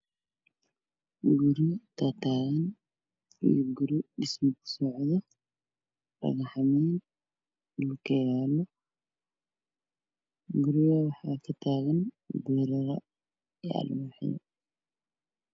Guryo tagan io guri dhismo kusocoto dhaxmin dhulka yalo guriga waxa katagan biyo